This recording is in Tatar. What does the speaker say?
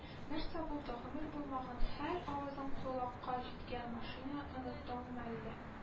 — нәрсә булды, гомер булмаган хәл, авызың колакка җиткән, машина оттыңмы әллә